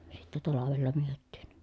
sitten talvella myytiin